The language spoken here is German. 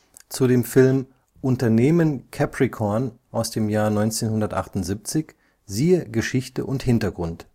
Zu dem Film Unternehmen Capricorn (1978) siehe Geschichte und Hintergrund